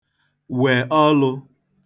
wè ọlụ̄